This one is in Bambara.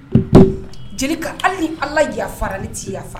Jeli hali ni ala yafafara tɛ yafa